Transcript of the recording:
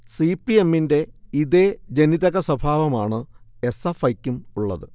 C. P. എമ്മിന്റെ ഇതേ ജനിതക സ്വഭാവമാണ് എസ്. എഫ്. ഐക്കും ഉള്ളത്